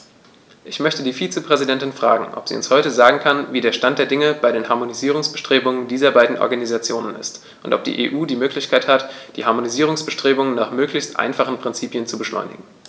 Ich möchte die Vizepräsidentin fragen, ob sie uns heute sagen kann, wie der Stand der Dinge bei den Harmonisierungsbestrebungen dieser beiden Organisationen ist, und ob die EU die Möglichkeit hat, die Harmonisierungsbestrebungen nach möglichst einfachen Prinzipien zu beschleunigen.